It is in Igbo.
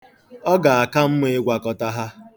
Ọ ga-aka mma ịgwakọta ha.